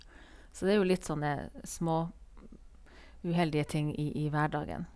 Så det er jo litt sånne småuheldige ting i i hverdagen.